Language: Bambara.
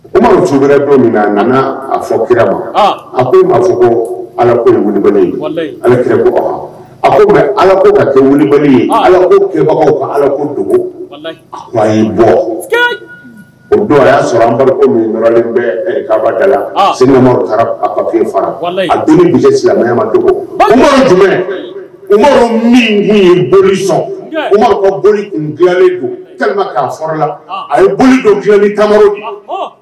Sub don min a nana a fɔ kira ma a ko e fɔ ko alako wuli kulubali ala kira a ko ala ko ka kɛ wuli ye alabagaw ka alako dogo bɔ o don a y'a sɔrɔ an balimalen bɛ kaba ga sema taara fafe fara a dumuni silamɛmayama dogo jumɛn min tun ye boli sɔn boli dilali don'la a ye boli don dilanli tama